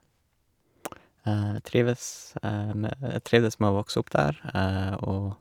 Jeg trives med trivdes med å vokse opp der, og...